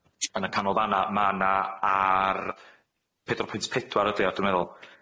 yn y canolfanna', ma' 'na ar, pedwar pwynt pedwar ydi o dwi meddwl,